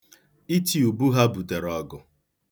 Iti ubu ha butere ọgụ.